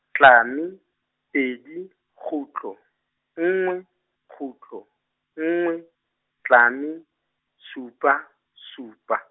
tlame, pedi, kgutlo, nngwe, kgutlo, nngwe, tlame, supa, supa.